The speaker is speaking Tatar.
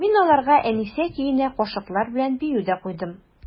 Мин аларга «Әнисә» көенә кашыклар белән бию дә куйдым.